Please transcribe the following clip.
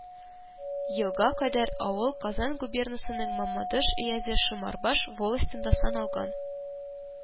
Елга кадәр авыл казан губернасының мамадыш өязе шеморбаш волостендә саналган